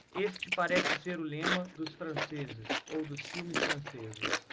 este parece ser o lema dos franceses ou dos filmes franceses